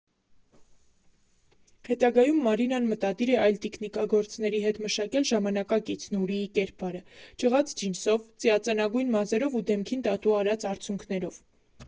Հետագայում Մարինան մտադիր է այլ տիկնիկագործների հետ մշակել ժամանակակից Նուրիի կերպարը՝ «ճղած ջինսով, ծիածանագույն մազերով ու դեմքին տատու արած արցունքներով.